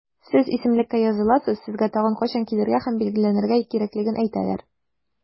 Сез исемлеккә языласыз, сезгә тагын кайчан килергә һәм билгеләнергә кирәклеген әйтәләр.